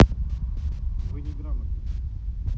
вы неграмотно